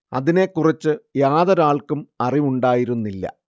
അതിനെക്കുറിച്ച് യാതൊരാൾക്കും അറിവുണ്ടായിരുന്നില്ല